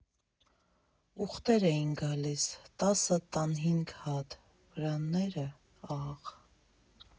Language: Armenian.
Ուղտեր էին գալիս, տասը֊տանհինգ հատ, վրաները՝ աղ։